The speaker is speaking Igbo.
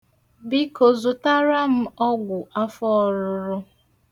Biko, zụtara m ọgwụ afọ ọrụrụ.